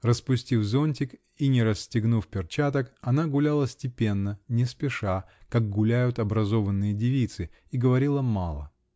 Распустив зонтик и не расстегнув перчаток, она гуляла степенно, не спеша -- как гуляют образованные девицы, -- и говорила мало.